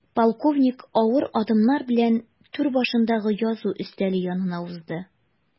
Полковник авыр адымнар белән түр башындагы язу өстәле янына узды.